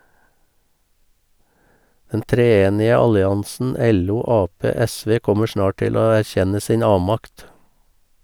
Den treenige alliansen LO-Ap-SV kommer snart til å erkjenne sin avmakt.